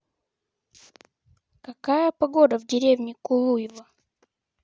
какая погода в деревне кулуево